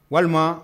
Waliman